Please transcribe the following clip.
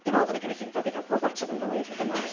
Dwi'n meddwl bod y gynulleidfa 'di cael pob ateb yn gywir hyd yma.